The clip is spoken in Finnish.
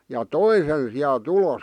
ja toi sen sieltä ulos